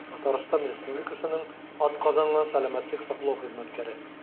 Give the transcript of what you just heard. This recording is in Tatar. «татарстан республикасының атказанган сәламәтлек саклау хезмәткәре»